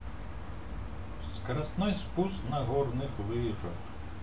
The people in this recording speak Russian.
скоростной спуск на горных лыжах